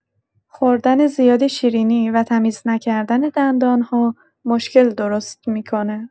خوردن زیاد شیرینی و تمیز نکردن دندان‌ها مشکل درست می‌کنه.